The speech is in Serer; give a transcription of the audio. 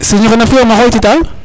serigne noxe na fio ma xoytita